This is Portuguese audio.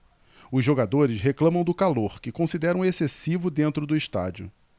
os jogadores reclamam do calor que consideram excessivo dentro do estádio